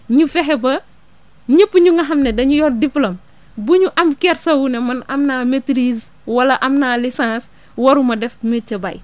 ñu fexe ba ñëpp ñu nga xam ne dañu yor diplôme bu ñu am kersa wu ne man am naa maitrise wala am naa licence waruma def métier béy